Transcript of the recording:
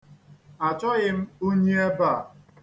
Achọghị m unyi ebe a.